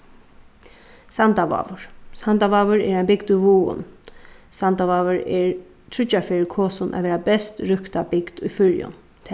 sandavágur sandavágur er ein bygd í vágum sandavágur er tríggjar ferðir kosin at vera best røkta bygd í føroyum